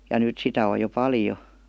ja nyt sitä on jo paljon